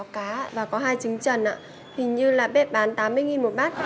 cá ạ và có hai trứng chần ạ hình như là bếp bán tám mươi nghìn một bát